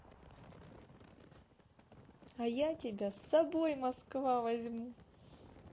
а я тебя с собой москва возьму